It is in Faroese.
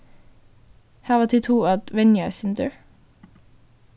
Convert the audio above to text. hava tit hug at venja eitt sindur